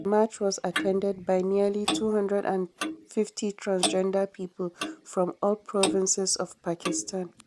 The march was attended by nearly 250 transgender people from all provinces of Pakistan.